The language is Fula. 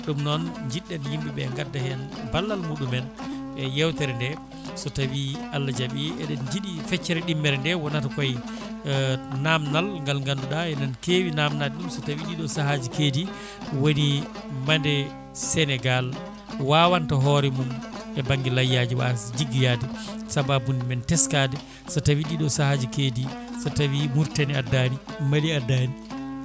ɗum noon jiɗɗen yimɓeɓe gandda hen ballal muɗumen e yewtere nde so tawi Allah jaaɓi eɗen jiiɗi feccere ɗimmere nde wonata koyi namdal ngal ganduɗa enen kewi namdade ɗum so tawi ɗiɗo sahaji keedi woni mandi Sénégal wawanta hoore mum to banggue layyaji waasa jiggoyade sababude men teskade so tawi ɗiɗo saahaji keedi so tawi Mauritanie addani Mali addani